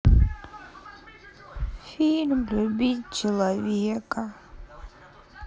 фильм любить человека